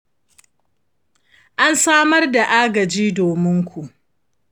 an samar da agaji domin ku